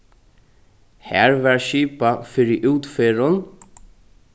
har varð skipað fyri útferðum